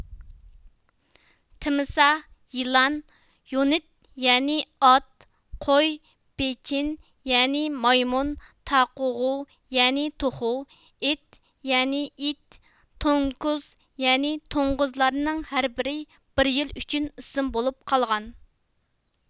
تىمساھ يىلان يۇنىد يەنى ئات قوي بېچىن يەنى مايمۇن تاقوغۇ يەنى توخۇ ئېت يەنى ئىت تونكۈز يەنى توڭغۇزلارنىڭ ھەر بىرى بىر يىل ئۈچۈن ئىسىم بولۇپ قالغان